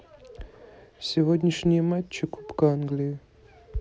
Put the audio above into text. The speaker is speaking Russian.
сегодняшние матчи кубка англии